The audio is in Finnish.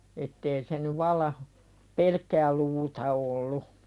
että ei se nyt vallan pelkkää luuta ollut